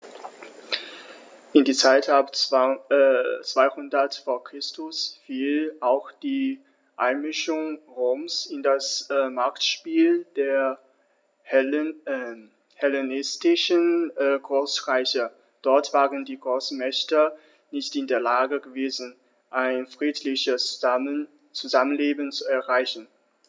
In die Zeit ab 200 v. Chr. fiel auch die Einmischung Roms in das Machtspiel der hellenistischen Großreiche: Dort waren die Großmächte nicht in der Lage gewesen, ein friedliches Zusammenleben zu erreichen.